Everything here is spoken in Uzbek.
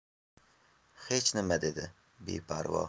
hech nima dedi beparvo